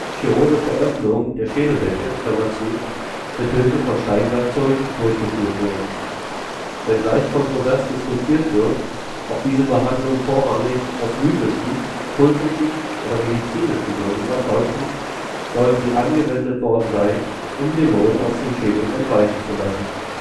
chirurgische Eröffnungen der Schädeldecke) mit Hilfe von Steinwerkzeugen durchgeführt wurden. Wenngleich kontrovers diskutiert wird, ob diese Behandlungen vorrangig aus mystischen, kultischen oder medizinischen Gründen erfolgten, sollen sie angewendet worden sein, um Dämonen aus dem Schädel entweichen zu lassen